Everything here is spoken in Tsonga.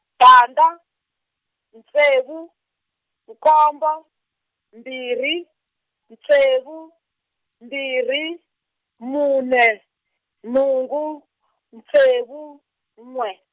tandza, ntsevu, nkombo, mbirhi, ntsevu, mbirhi, mune, nhungu, ntsevu, n'we.